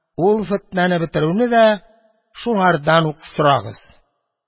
Ул фетнәне бетерүне дә шуңардан ук сорагыз».